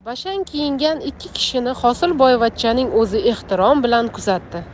bashang kiyingan ikki kishini hosilboyvachchaning o'zi ehtirom bilan kuzatdi